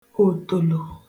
òtòlo